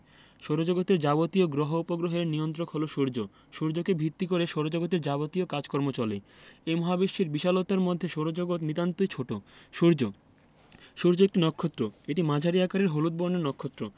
সৌরজগতের যাবতীয় গ্রহ উপগ্রহের নিয়ন্ত্রক হলো সূর্য সূর্যকে ভিত্তি করে সৌরজগতের যাবতীয় কাজকর্ম চলে এই মহাবিশ্বের বিশালতার মধ্যে সৌরজগৎ নিতান্তই ছোট সূর্যঃ সূর্য একটি নক্ষত্র এটি একটি মাঝারি আকারের হলুদ বর্ণের নক্ষত্র